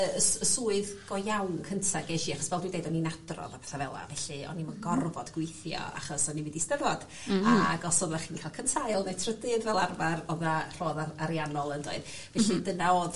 yy y s- y swydd go iawn cynta gesh i achos fel dwi deud o'n i'n adrodd a petha fel 'a felly o'n i'm yn gorfod gweithio achos o'n i mynd i 'Steddfod. Hmm hmm. Ag os oddach chi'n ca'l cynta ail ne' trydydd fel arfar odda rhodd ar- ariannol yndoedd? Mhm. Felly dyna o'dd